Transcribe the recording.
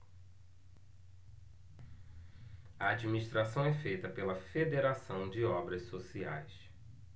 a administração é feita pela fos federação de obras sociais